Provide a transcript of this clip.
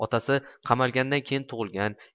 otasi qamalgandan keyin tug'ilgan